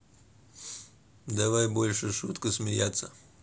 давай больше шутка смеяться